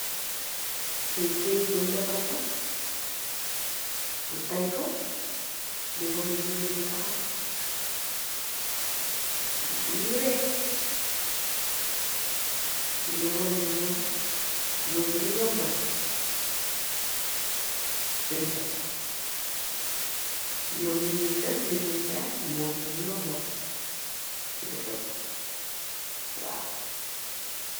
Lii keiyt bungh defarr la, nju taiiy kor, d woneh gigain bu tahaw, d reeeh, mungeh woneh neh njom njur genah yombaleh c dekah bi, njom li njeei deff leh njui jaaiy, mor genah yombaleh chi dekah b Waw.